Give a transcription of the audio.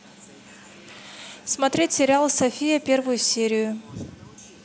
смотреть сериал софия первую серию